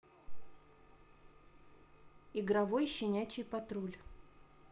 игровой щенячий патруль